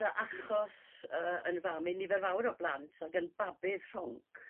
a achos... Yrr yn fam i nifer fawr o blant ac yn Babydd rhonc.